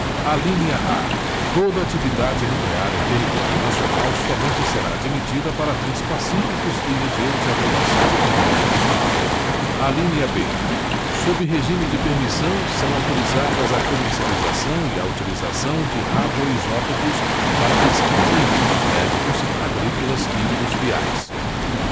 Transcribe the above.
alínea a toda atividade nuclear em território nacional somente será admitida para fins pacíficos e mediante aprovação do congresso nacional alínea b sob regime de permissão são autorizadas a comercialização e a utilização de radioisótopos para a pesquisa e usos médicos agrícolas e industriais